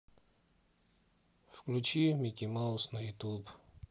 включи микки маус на ютуб